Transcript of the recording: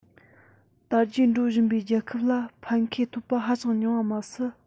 དར རྒྱས འགྲོ བཞིན པའི རྒྱལ ཁབ ལ ཕན ཁེ ཐོབ པ ཧ ཅང ཉུང བ མ ཟད